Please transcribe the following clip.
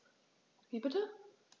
Wie bitte?